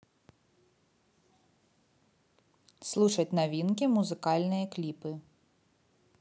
слушать новинки музыкальные клипы